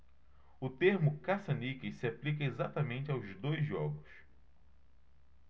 o termo caça-níqueis se aplica exatamente aos dois jogos